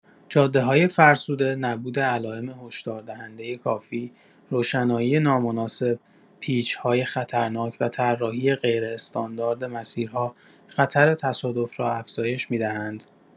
جاده‌های فرسوده، نبود علائم هشداردهنده کافی، روشنایی نامناسب، پیچ‌های خطرناک و طراحی غیراستاندارد مسیرها، خطر تصادف را افزایش می‌دهند.